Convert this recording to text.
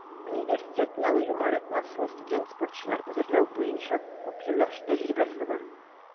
Университетның югары класслы студент-спортчылар әзерләү буенча күпьеллык тәҗрибәсе бар.